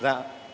dạ